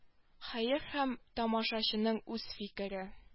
Хәер һәр тамашачының үз фикере